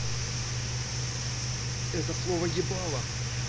это слово ебало